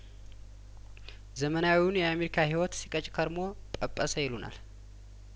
ዘመናዊውን የአምሪካ ሂዎት ሲቀጭ ከርሞ ጰጰሰ ይሉናል